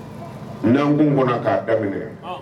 Dunankun kɔnɔ k'a daminɛ minɛ